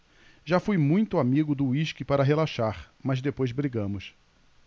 já fui muito amigo do uísque para relaxar mas depois brigamos